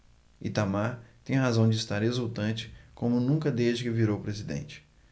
itamar tem razão de estar exultante como nunca desde que virou presidente